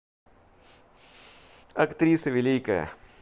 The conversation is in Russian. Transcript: актриса великая